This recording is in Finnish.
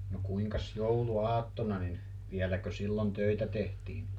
no kuinkas jouluaattona niin vieläkö silloin töitä tehtiin